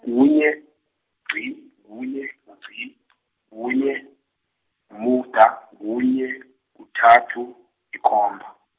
kunye, ngci, kunye, ngungci , kunye, umuda, kunye , kuthathu, yikomba.